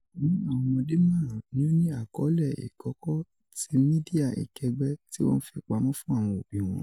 Ọkan nínú awọn ọmọde máàrún ni o ni akọọlẹ ikọkọ ti midia ikẹgbẹ ti wọn n fi pamọ fun awọn obi wọn